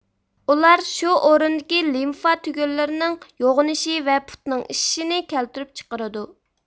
ئۇلار شۇ ئورۇندىكى لىمبا تۈگۈنلىرىنىڭ يوغىنىشى ۋە پۇتنىڭ ئىششىشىنى كەلتۈرۈپ چىقىرىدۇ